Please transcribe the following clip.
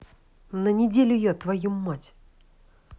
на неделю я твою мать